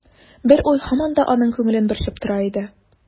Бер уй һаман да аның күңелен борчып тора иде.